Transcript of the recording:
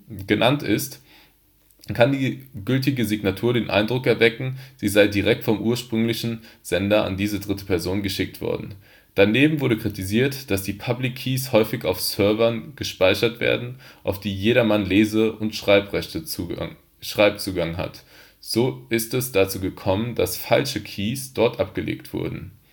genannt ist, kann die gültige Signatur den Eindruck erwecken, sie sei direkt vom ursprünglichen Sender an diese dritte Person geschickt worden. Daneben wurde kritisiert, dass die public keys häufig auf Server gespeichert werden, auf die jedermann Lese - und Schreibzugang hat. So ist es dazu gekommen, dass falsche keys dort abgelegt wurden